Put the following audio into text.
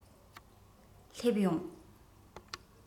སླེབས ཡོང